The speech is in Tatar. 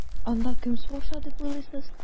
Анда кем сугыша дип уйлыйсыз?